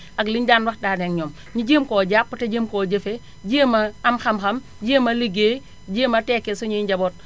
ak li ñu daan waxtaanee ak ñoom ñu jéem koo jàpp te jéem koo jëfee jéem a am xam-xam jéem a ligéey jéem a tekkil suñuy njaboot